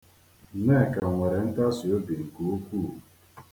Nneka nwere ntasiobi nke ukwuu.